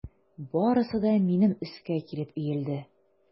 Барысы да минем өскә килеп иелде.